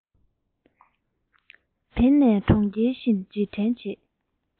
དབེན གནས གྲོང ཁྱེར འདིར རྗེས དྲན བྱེད